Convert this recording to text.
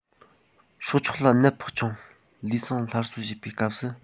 སྲོག ཆགས ལ ནད ཕོག ཅིང ལུས ཟུངས སླར གསོ བྱེད པའི སྐབས སུ